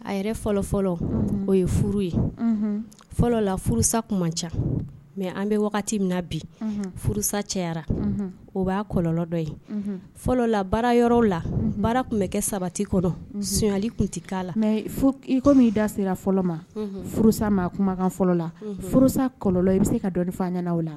A yɛrɛ fɔlɔ fɔlɔ o ye furu ye fɔlɔ furusa ca mɛ an bɛ wagati min na bi furusa cɛyara o'a kɔlɔnlɔ dɔ yen fɔlɔla baara yɔrɔ la baara tun bɛ kɛ sabati kɔnɔ sonyali tun tɛ'a la mɛ i'i da sera fɔlɔ ma furu mɔgɔ kumakan fɔlɔ la furusa kɔlɔn i bɛ se ka dɔn ɲɛna la